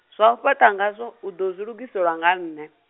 zwau fhaṱa nga zwo u ḓo zwi lugiselwa nga nṋe.